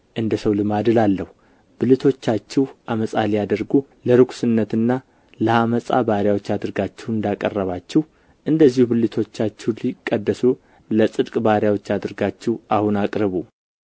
እንደ ሰው ልማድ እላለሁ ብልቶቻችሁ ዓመፃ ሊያደርጉ ለርኵስነትና ለዓመፃ ባሪያዎች አድርጋችሁ እንዳቀረባችሁ እንደዚሁ ብልቶቻችሁ ሊቀደሱ ለጽድቅ ባሪያዎች አድርጋችሁ አሁን አቅርቡ